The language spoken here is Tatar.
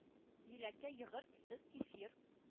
- җиләккә йогырт, сөт, кефир,